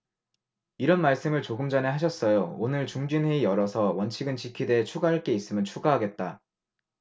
이런 말씀을 조금 전에 하셨어요 오늘 중진회의 열어서 원칙은 지키되 추가할 게 있으면 추가하겠다